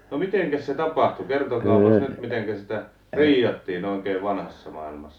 no mitenkäs se tapahtui kertokaapas nyt miten sitä riiattiin oikein vanhassa maailmassa